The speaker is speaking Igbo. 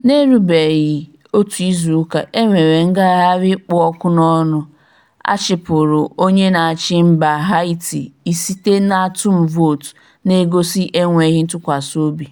Na-erubeghi otu izu ụka e nwere ngagharị kpụ ọkụ n'ọnụ, a chịpụrụ onye na-achị mba Haiti site n'atụm votu na-egosi enweghị ntụkwasị obi.